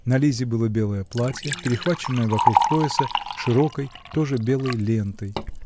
на Лизе было белое платье, перехваченное вокруг пояса широкой, тоже белой лентой